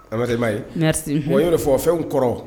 Aramata, i ma ye. Merci hun. O ye de fɔ, fɛnw kɔrɔ.